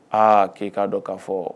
Aa; k'i k'a don k'a fɔ